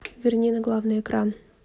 верни на главный экран